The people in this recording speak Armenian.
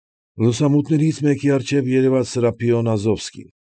Լուսամուտներից մեկի առջև երևաց Սրափիոն Ազովսկին։